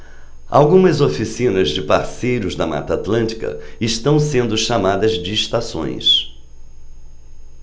algumas oficinas de parceiros da mata atlântica estão sendo chamadas de estações